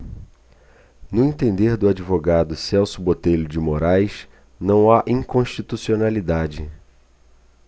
no entender do advogado celso botelho de moraes não há inconstitucionalidade